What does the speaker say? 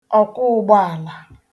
ọ̀kwọụ̄gbāàlà